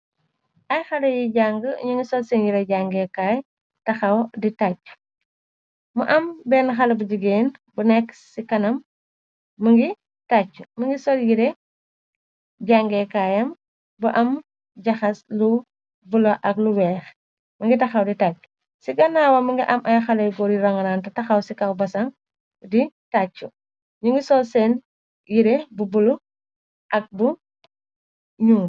Ay xale yi jàngee ñu ngi sol seen yire jangeekaay taxaw di tàchu. m Mu am benn xale bu jigeen bu nekk ci kanam mi ngi tàchu mu ngi sol yire jàngekaayam bu am jaxas lu bulu ak lu weex mu ngi taxaw di tàchu. Ci ganaawam mu nga am ay xale góor yi ranganant taxaw ci kaw basam di tàchu ñu ngi sol seen yire bu bula ak bu ñuul.